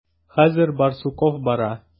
Хәзер Барсуков бара.